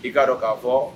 I k'a dɔ k'a fɔɔ